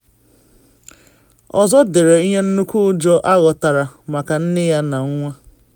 Ọzọ dere: “Ihe nnukwu ụjọ aghọtara maka nne yana nwa.